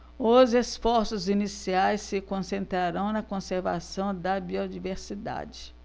os esforços iniciais se concentrarão na conservação da biodiversidade